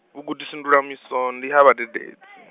vhugudisindulamiso ndi ha vhadededzi.